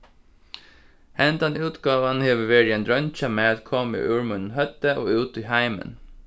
hendan útgávan hevur verið ein roynd hjá mær at koma úr mínum høvdi og út í heimin